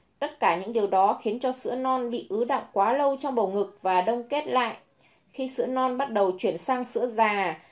tất cả những điều đó khiến cho sữa non bị ứ đọng quá lâu trong bầu ngực và đông kết lại khi sữa non bắt đầu chuyển sang sữa già